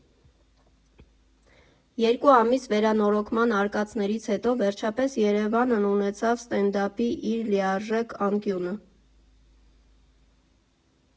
Երկու ամիս վերանորոգման արկածներից հետո վերջապես Երևանն ունեցավ ստենդափի իր լիարժեք անկյունը։